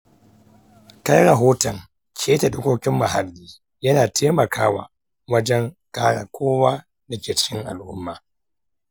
kai rahoton keta dokokin muhalli yana taimakawa wajen kare kowa da ke cikin al’umma.